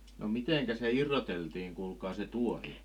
no miten se irroteltiin kuulkaa se tuohi